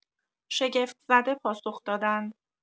شگفت‌زده پاسخ دادند